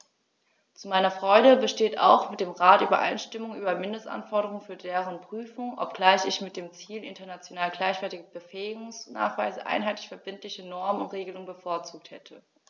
Zu meiner Freude besteht auch mit dem Rat Übereinstimmung über Mindestanforderungen für deren Prüfung, obgleich ich mit dem Ziel international gleichwertiger Befähigungsnachweise einheitliche verbindliche Normen und Regelungen bevorzugt hätte.